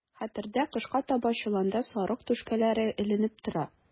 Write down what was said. Хәтердә, кышка таба чоланда сарык түшкәләре эленеп тора.